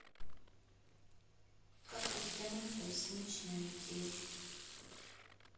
как растянуть поясничный отдел